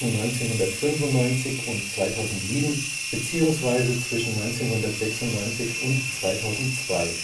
1995 bis 2007) und Online Praxis (von 1996 bis 2002